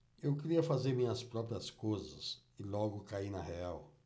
eu queria fazer minhas próprias coisas e logo caí na real